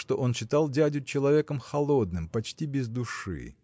что он считал дядю человеком холодным почти без души.